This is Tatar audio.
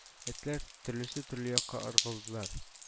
Этләр төрлесе төрле якка ыргылдылар